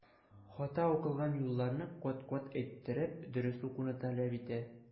Хата укылган юлларны кат-кат әйттереп, дөрес укуны таләп итте.